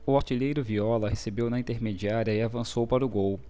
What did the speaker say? o artilheiro viola recebeu na intermediária e avançou para o gol